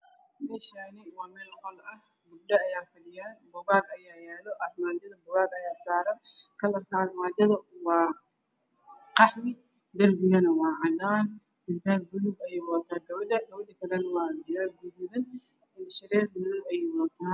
Me Shani wa meel qol ah gab dho ayaa fa dhi yo bu gaag ayaa yalo ar ma jada bu gaag ayaa saran kalar ka ar ma ja da wa qaxwi dar bigana wa cadaan xijaab bulug ayeey wadataa ga ba dhan ga ba dha ka la ne wa jalbab gududan in dha sha rer madow ah ayey wadataa